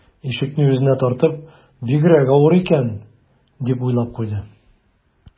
Ишекне үзенә тартып: «Бигрәк авыр икән...», - дип уйлап куйды